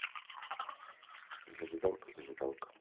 зажигалка зажигалка